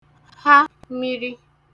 ha mirī